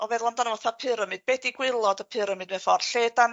o feddwl amdano fatha pyramid be' 'di gwaelod y pyramid mewn ffor lle ydan